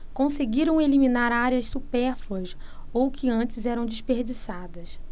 conseguiram eliminar áreas supérfluas ou que antes eram desperdiçadas